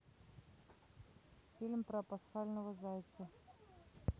фильм про пасхального зайца